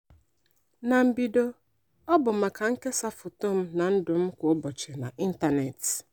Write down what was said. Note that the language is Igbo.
Na mbido, ọ bụ maka nkesa foto m, na ndụ m kwa ụbọchị n'Ịtanetị.